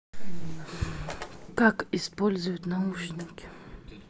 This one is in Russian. как используют наушники